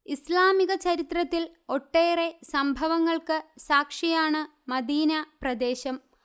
ഇസ്ലാമിക ചരിത്രത്തിൽ ഒട്ടേറെ സംഭവങ്ങൾക്ക് സാക്ഷിയാണ് മദീന പ്രദേശം